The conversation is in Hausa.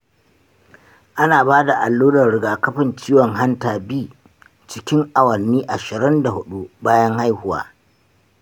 ana ba da allurar rigakafin ciwon hanta b cikin awanni ashirin da hudu bayan haihuwa.